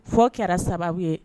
Fɔ kɛra sababu ye